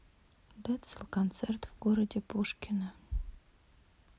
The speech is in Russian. децл концерт в городе пушкино